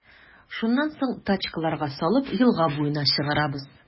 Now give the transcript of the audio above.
Шуннан соң, тачкаларга салып, елга буена чыгарабыз.